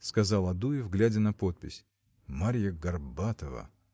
– сказал Адуев, глядя на подпись: – Марья Горбатова.